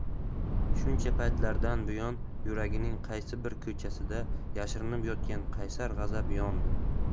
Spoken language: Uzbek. shuncha paytlardan buyon yuragining qaysi bir ko'chasida yashirinib yotgan qaysar g'azab yondi